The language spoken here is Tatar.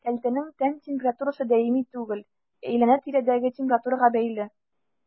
Кәлтәнең тән температурасы даими түгел, әйләнә-тирәдәге температурага бәйле.